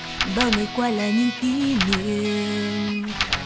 bao ngày qua là những kỉ kỉ niệm